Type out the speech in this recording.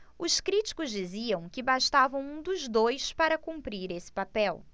os críticos diziam que bastava um dos dois para cumprir esse papel